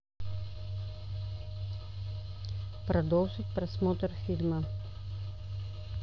продолжить просмотр фильма